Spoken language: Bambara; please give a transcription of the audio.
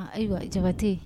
Ayiwa jabate